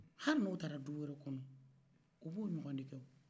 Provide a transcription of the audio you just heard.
hali n'o taara du wɛrɛ kɔnɔ o b'o ɲɔgɔn de kɛ wo